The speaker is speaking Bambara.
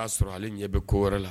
O y'a sɔrɔ ale ɲɛ bɛ ko wɛrɛ la